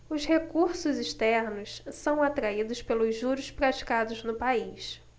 os recursos externos são atraídos pelos juros praticados no país